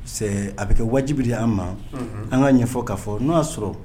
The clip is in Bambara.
Que a bɛ kɛ wajibibi an ma an ka ɲɛfɔ k'a fɔ n'o y'a sɔrɔ